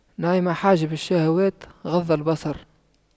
نعم حاجب الشهوات غض البصر